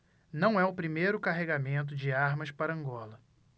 não é o primeiro carregamento de armas para angola